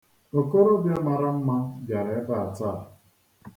Okorobịa mara mma bịara ebe a taa.